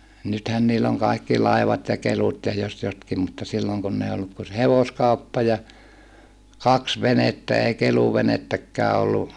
nythän niillä on kaikki laivat ja kelut ja jos jotkin mutta silloin kun ei ollut kuin se hevoskauppa ja kaksi venettä ei keluvenettäkään ollut